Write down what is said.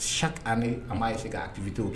Sa ani an'ase kaabi to